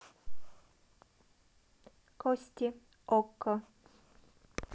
кости окко